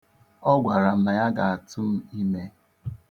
Ọ gwara m na ya ga-atù m imē.